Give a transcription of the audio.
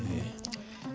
eyyi